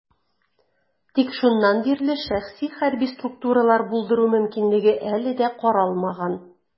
Тик шуннан бирле шәхси хәрби структуралар булдыру мөмкинлеге әле дә каралмаган.